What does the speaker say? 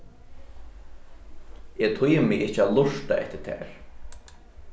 eg tími ikki at lurta eftir tær